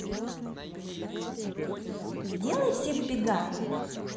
сделай все в бега